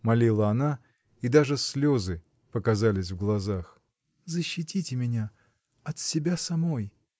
— молила она, и даже слезы показались в глазах. — Защитите меня. от себя самой!.